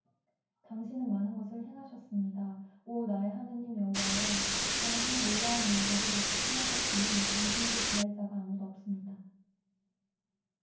당신은 많은 것을 행하셨습니다 오 나의 하느님 여호와여 당신의 놀라운 일들 을 행하셨으니 당신에게 비할 자가 아무도 없습니다